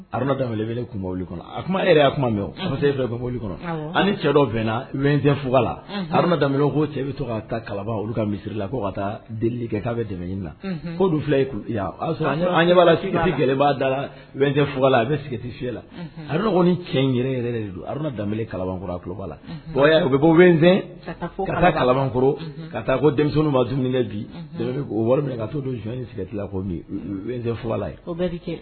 Haruna danɛlɛele kun kɔnɔ a kuma e yɛrɛ y' kuma mɛ kɔnɔ an cɛ dɔna fug la hauna ko cɛ bɛ to taa kalaba olu ka misisiriri la ko ka taa deli kɛ k' bɛ dɛmɛ na ko dun fila an'a sti gɛlɛya da laɛn fugla a bɛ sti fi la hauna kɔni ni cɛ in yɛrɛ yɛrɛ de don hauna dan kalakɔrɔ a kuba la u bɛ bɔ kala kɔrɔ ka taa denmisɛnnin' dun bi wari min ka to don son sigitila kofugla